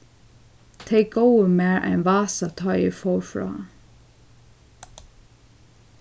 tey góvu mær ein vasa tá ið eg fór frá